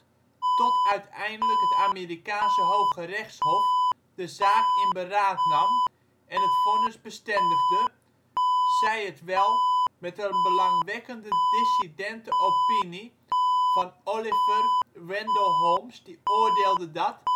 tot uiteindelijk het Amerikaanse Hooggerechtshof de zaak in beraad nam en het vonnis bestendigde, zij het wel met een belangwekkende dissidente opinie van Oliver Wendell Holmes die oordeelde dat